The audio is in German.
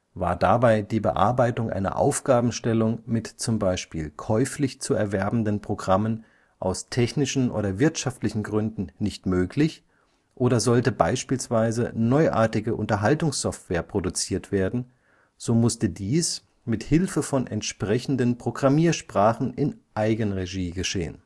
War dabei die Bearbeitung einer Aufgabenstellung mit z. B. käuflich zu erwerbenden Programmen aus technischen oder wirtschaftlichen Gründen nicht möglich oder sollte beispielsweise neuartige Unterhaltungssoftware produziert werden, so musste dies mithilfe von entsprechenden Programmiersprachen in Eigenregie geschehen